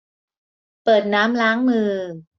เปิดน้ำล้างมือ